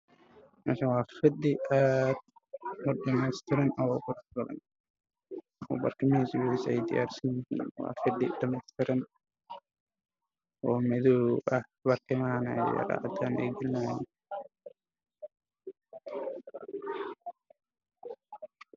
Waa qol fadhi waxaa yaalla kuraas fadhi madow ah dahman ayaa ku xiran jecla ah qolka aada ayuu u qurux badan yahay waana qol aan hada ku jira camal